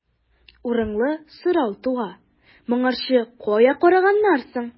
Урынлы сорау туа: моңарчы кая караганнар соң?